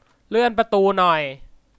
เลื่อนประตูหน่อย